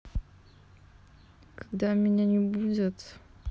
когда меня не будет